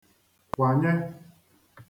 kwànye